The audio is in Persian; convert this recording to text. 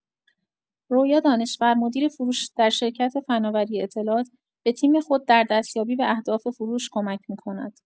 رویا دانشور، مدیر فروش در شرکت فناوری اطلاعات، به تیم خود در دستیابی به اهداف فروش کمک می‌کند.